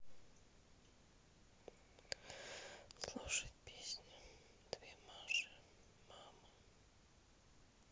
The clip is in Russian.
слушать песню две маши мама